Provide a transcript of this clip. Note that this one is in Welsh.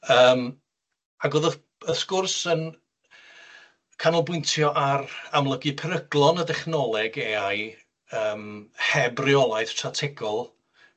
Yym ac o'dd y y sgwrs yn canolbwyntio ar amlygu peryglon y dechnoleg Ay I yym heb reolaeth strategol.